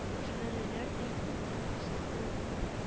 Шүрәлеләр әйтте кем кысты кулыңны